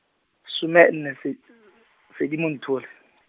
somenne Se- , Sedimonthole.